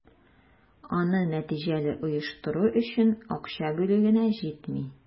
Аны нәтиҗәле оештыру өчен акча бүлү генә җитми.